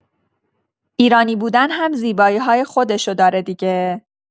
ایرانی بودن هم زیبایی‌های خودشو داره دیگه.